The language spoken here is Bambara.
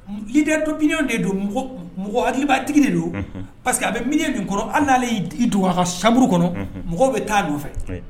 Lidi dɔ pyw de don mɔgɔ hakiliba digi de don parce que a bɛ miniɲ min kɔrɔ hali'ale dugwa samuru kɔnɔ mɔgɔ bɛ taa don fɛ